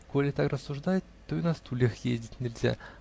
Коли так рассуждать, то и на стульях ездить нельзя